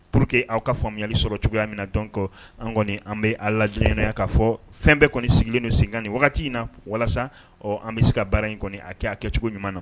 Pour que aw ka faamuyayali sɔrɔ cogoya min na dɔn kɔ an kɔni an bɛ a lajɛj ɲɛnaya kaa fɔ fɛn bɛɛ kɔni sigilen don sen wagati in na walasa an bɛ se ka baara in kɔni a kɛ'a kɛ cogo ɲuman na